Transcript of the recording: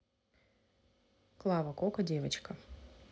клава кока девочка